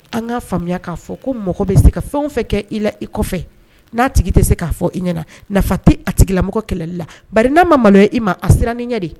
An ka faamuya k' fɔ ko mɔgɔ bɛ se ka fɛn kɛ i la i kɔfɛ n'a tigi tɛ se k'a fɔ i ɲɛna nafa tɛ a tigilamɔgɔ kɛlɛli la ba n'a ma malo i ma a siran nin ɲɛ de